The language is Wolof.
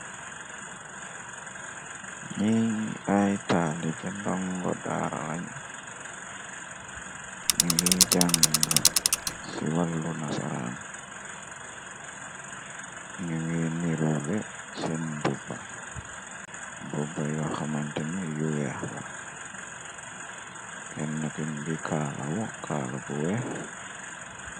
ñi ay taali be dongo daara lañu ñu ngiy jàng ci wallu na saraam ñu ngiy nirule seen bubba bubba yoxamante ni yu weex la keen gi kaalau kaala bu weex.